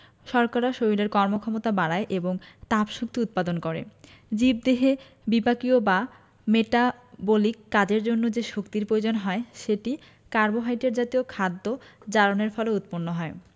শর্করা শরীলের কর্মক্ষমতা বাড়ায় এবং তাপশক্তি উৎপাদন করে জীবদেহে বিপাকীয় বা মেটাবলিক কাজের জন্য যে শক্তির পয়োজন হয় সেটি কার্বোহাইড্রেট জাতীয় খাদ্য জারণের ফলে উৎপন্ন হয়